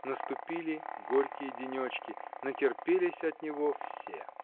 Наступили горькие денечки, натерпелись от него все.